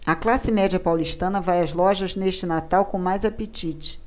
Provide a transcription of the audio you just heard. a classe média paulistana vai às lojas neste natal com mais apetite